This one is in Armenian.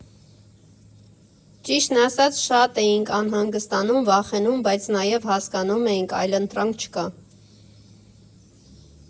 Ճիշտն ասած՝ շատ էինք անհանգստանում, վախենում, բայց նաև հասկանում էինք՝ այլընտրանք չկա։